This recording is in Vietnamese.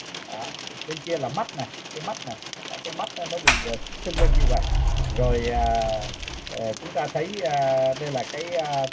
á bên kia là mắt này cái mắt này cái mắt bị sưng lên như vậy rồi à chúng ta thấy à đây là cái